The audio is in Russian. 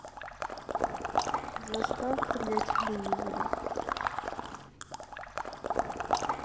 заставка для телевизора